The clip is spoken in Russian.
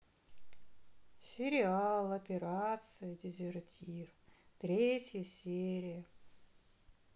сериал операция дезертир третья серия